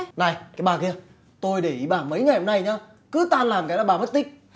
này cái bà kia tôi để ý bà mấy ngày hôm nay nhớ cứ tan làm cái là bà mất tích